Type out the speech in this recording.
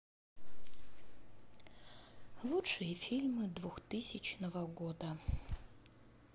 лучшие фильмы двухтысячного года